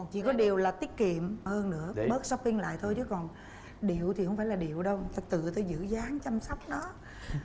chỉ có điều là tiết kiệm hơn nữa bớt sóp pinh lại thôi chứ còn điệu thì không phải là điệu đâu người ta tự người ta giữ dáng chăm sóc nó